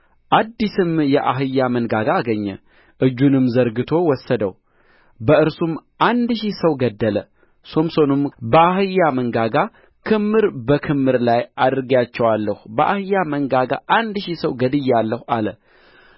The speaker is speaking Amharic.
አዲስም የአህያ መንጋጋ አገኘ እጁንም ዘርግቶ ወሰደው በእርሱም አንድ ሺህ ሰው ገደለ ሶምሶንም በአህያ መንጋጋ ክምር በክምር ላይ አድርጌአቸዋለሁ በአህያ መንጋጋ አንድ ሺህ ሰው ገድያለሁ አለ